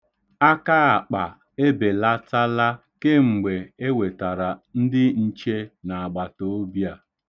Akaakpa ebelatala kemgbe e wetara ndị nche n'agbatoobi a.